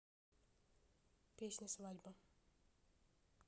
песня свадьба